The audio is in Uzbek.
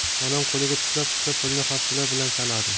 onam qo'liga tuflab tuflab pulni hafsala bilan sanadi